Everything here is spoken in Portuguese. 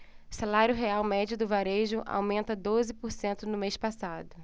salário real médio do varejo aumenta doze por cento no mês passado